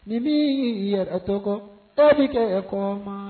Ni min i yɛrɛ toko i bɛ kɛ kɔ ma